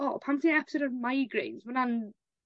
o pam ti neu' episod ar migraines ma' wnna'n